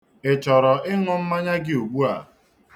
Ị chọrọ ịṅụ mmanya gị ugbua?